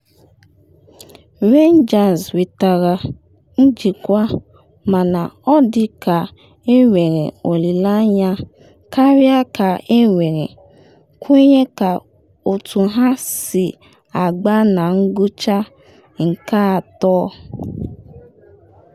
Rangers nwetara njikwa mana ọ dịka enwere olile anya karịa ka enwere nkwenye ka otu ha si agba na ngwucha nke atọ.